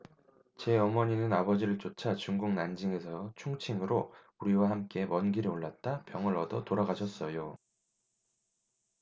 제 어머니는 아버지를 쫓아 중국 난징에서 충칭으로 우리와 함께 먼 길에 올랐다 병을 얻어 돌아가셨어요